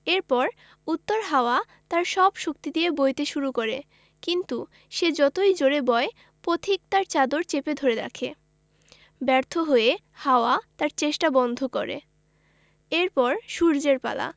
এরপর উত্তর হাওয়া তার সব শক্তি দিয়ে বইতে শুরু করে কিন্তু সে যতই জোড়ে বয় পথিক তার চাদর চেপে ধরে রাখে ব্যর্থ হয়ে হাওয়া তার চেষ্টা বন্ধ করে এর পর সূর্যের পালা